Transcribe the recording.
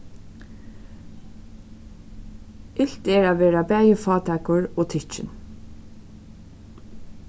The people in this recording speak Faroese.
ilt er at vera bæði fátækur og tykkin